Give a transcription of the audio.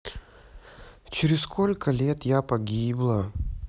через сколько лет я погибла